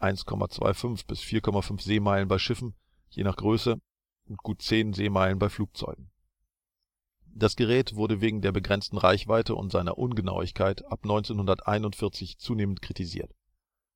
1,25-4,5 Seemeilen bei Schiffen je nach Größe, gut 10 Seemeilen bei Flugzeugen). Das Gerät wurde wegen der begrenzten Reichweite und seiner Ungenauigkeit ab 1941 zunehmend kritisiert.